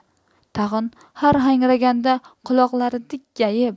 tag'in har hangraganda quloqlari dikkayib